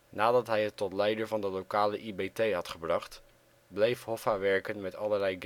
Nadat hij het tot leider van de lokale IBT had gebracht, bleef Hoffa werken met allerlei